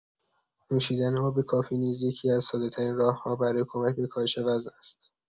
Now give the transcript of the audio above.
نوشیدن آب کافی نیز یکی‌از ساده‌‌ترین راه‌ها برای کمک به کاهش وزن است.